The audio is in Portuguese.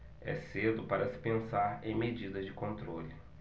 é cedo para se pensar em medidas de controle